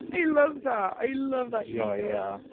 I love that. I love that... Joio... ego.